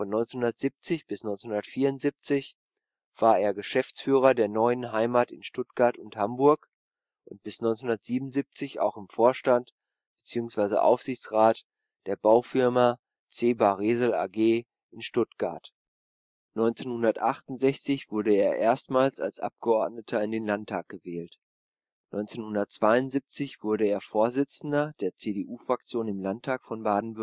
Von 1970 bis 1974 war er Geschäftsführer der Neuen Heimat in Stuttgart und Hamburg und bis 1977 auch im Vorstand bzw. Aufsichtsrat der Baufirma C. Baresel AG in Stuttgart. 1968 wurde er erstmals als Abgeordneter in den Landtag gewählt. 1972 wurde er Vorsitzender der CDU-Fraktion im Landtag von Baden-Württemberg